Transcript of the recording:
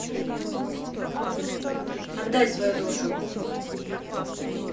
отдай свою душу